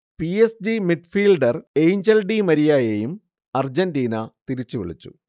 P. S. G midfielder Angel Di മരിയയെയും Argentina തിരിച്ചുവിളിച്ചു